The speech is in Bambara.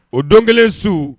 O don kelen su